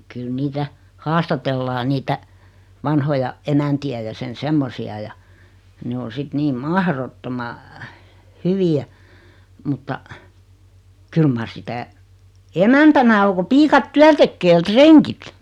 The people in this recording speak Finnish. kyllä niitä haastatellaan niitä vanhoja emäntiä ja sen semmoisia ja ne on sitten niin mahdottoman hyviä mutta kyllä mar sitä emäntänä on kun piiat työn tekee ja rengit